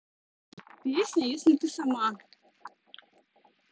песня если ты сама